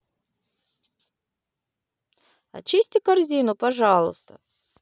очисти корзину пожалуйста